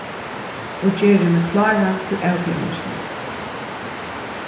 og geri meg klára til avbjóðingina